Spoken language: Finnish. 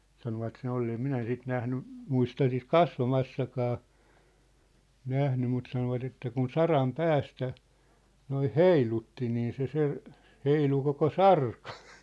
sanoivat sen olleen en minä sitä nähnyt muista sitten kasvamassakaan nähnyt mutta sanoivat että kun saran päästä noin heilutti niin se se heilui koko sarka